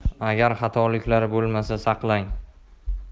nima qilay ey ahmoq